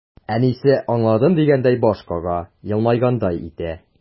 Әнисе, аңладым дигәндәй баш кага, елмайгандай итә.